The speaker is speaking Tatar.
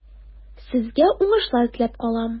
Сезгә уңышлар теләп калам.